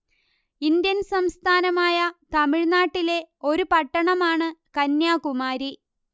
Indian സംസ്ഥാനമായ തമിഴ്നാട്ടിലെ ഒരു പട്ടണമാണ് കന്യാകുമാരി